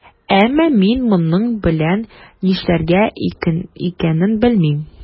Әмма мин моның белән нишләргә икәнен белмим.